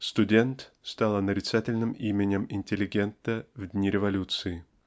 "Студент" стало нарицательным именем интеллигента в дни революции.